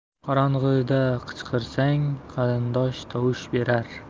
qorong'ida qichqirsang qarindosh tovush berar